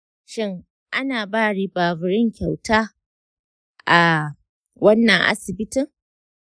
shin ana ba ribavirin kyauta a wannan asibitin?